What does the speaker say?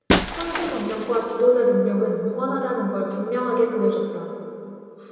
선수 경력과 지도자 능력은 무관하다는 걸 분명하게 보여줬다